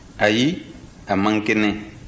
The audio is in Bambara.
ayi a man kɛnɛ